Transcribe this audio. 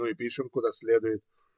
Ну, и пишем, куда следует